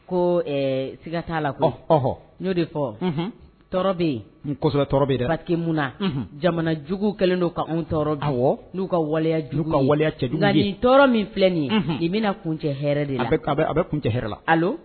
Ko ɛɛ siga t'a la koyi, ɔhɔ, n y'o de fɔ, unhun, tɔɔrɔ bɛ yen kɔsɛbɛ tɔɔrɔ bɛ yen dɛ parce que munna, unhun, jamana jugu kɛlen don ka tɔɔrɔ bi n'u ka waleya jugu ka waleya cɛjugu nka nin tɔɔrɔ min filɛ nin ye nin bɛna kuncɛ hɛrɛ de la, a bɛ kuncɛ hɛrɛ la allo